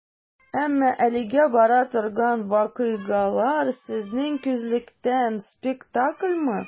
Әмма әлегә бара торган вакыйгалар, сезнең күзлектән, спектакльмы?